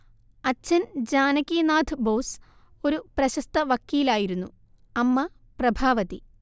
അച്ഛൻ ജാനകിനാഥ് ബോസ് ഒരു പ്രശസ്ത വക്കീലായിരുന്നു അമ്മ പ്രഭാവതി